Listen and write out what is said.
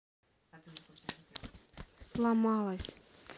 сломалась